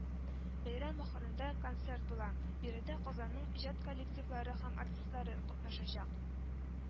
Бәйрәм ахырында концерт була, биредә Казанның иҗат коллективлары һәм артистлары катнашачак